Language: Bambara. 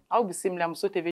Aw bɛ bisimila muso tɛ